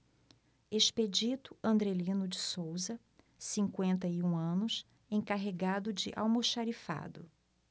expedito andrelino de souza cinquenta e um anos encarregado de almoxarifado